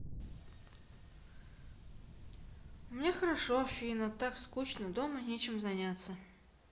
у меня хорошо афина так скучно дома чем заняться